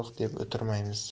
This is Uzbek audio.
yo'q deb o'tirmaymiz